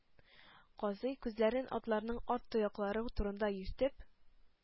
Казый, күзләрен атларның арт тояклары турында йөртеп: